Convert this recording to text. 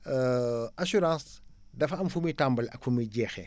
assurance dafa am fu muy tàmbalee ak fu muy jeexee